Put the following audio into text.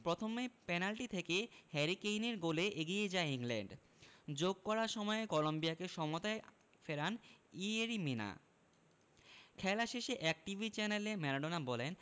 প্রথমে পেনাল্টি থেকে হ্যারি কেইনের গোলে এগিয়ে যায় ইংল্যান্ড যোগ করা সময়ে কলম্বিয়াকে সমতায় ফেরান ইয়েরি মিনা খেলা শেষে এক টিভি চ্যানেলে ম্যারাডোনা বলেন